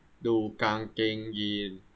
ดูกางเกงยีนส์